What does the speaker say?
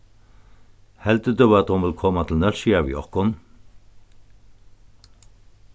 heldur tú at hon vil koma til nólsoyar við okkum